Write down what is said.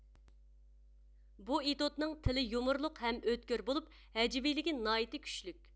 بۇ ئېتوتنىڭ تىلى يۇمۇرلۇق ھەم ئۆتكۈر بولۇپ ھەجۋىيلىكى ناھايىتى كۈچلۈك